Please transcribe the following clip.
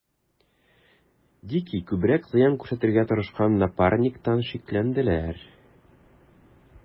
Дикий күбрәк зыян күрсәтергә тырышкан Напарниктан шикләнделәр.